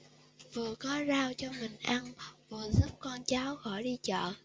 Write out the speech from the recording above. vừa có rau cho mình ăn vừa giúp con cháu khỏi đi chợ